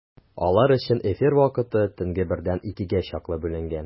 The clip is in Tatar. Алар өчен эфир вакыты төнге бердән икегә чаклы бүленгән.